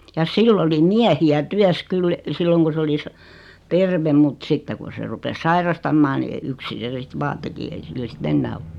ja sillä oli miehiä työssä kyllä silloin kun se oli - terve mutta sitten kun se rupesi sairastamaan niin yksin se sitten vain teki ei sillä sitten enää ole